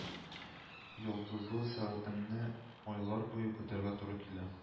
Йолдызлы сәгатеңне айлар буе көтәргә туры килә